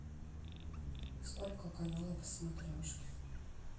сколько каналов в смотрешке